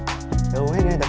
tớ uống